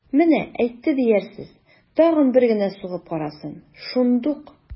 Менә әйтте диярсез, тагын бер генә сугып карасын, шундук...